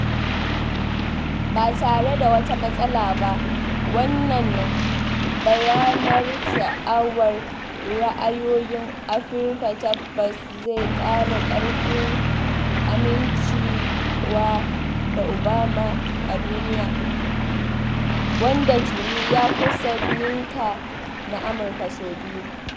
Ba tare da wata matsala ba, wannan bayyanar sha'awar ra'ayoyin Afirka tabbas zai ƙara ƙarfin amincewa da Obama a duniya, wanda tuni ya kusan ninka na Amurka sau biyu.